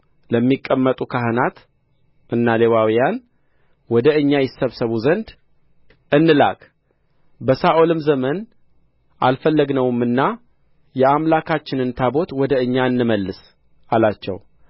ለሚቀመጡ ካህናትና ሌዋውያን ወደ እኛ ይሰበሰቡ ዘንድ እንላክ በሳኦልም ዘመን አልፈለግነውምና የአምላካችንን ታቦት ወደ እኛ እንመልስ አላቸው